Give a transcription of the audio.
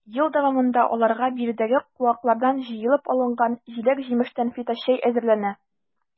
Ел дәвамында аларга биредәге куаклардан җыеп алынган җиләк-җимештән фиточәй әзерләнә.